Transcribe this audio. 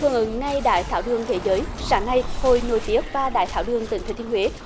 hưởng ứng ngày đái tháo đường thế giới sáng nay hội nội tiết và đái tháo đường tỉnh thừa thiên huế